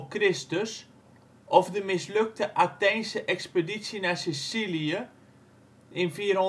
373 v.Chr. of de mislukte Atheense expeditie naar Sicilië in 415 – 413 v.Chr.